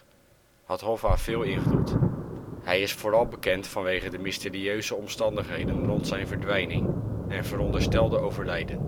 had Hoffa veel invloed, hij is vooral bekend vanwege de mysterieuze omstandigheden rond zijn verdwijning en veronderstelde overlijden